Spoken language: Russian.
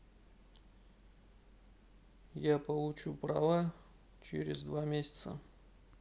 я получу права через два месяца